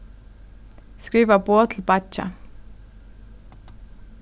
skriva boð til beiggja